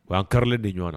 O y'an karilen de ye ɲɔgɔn na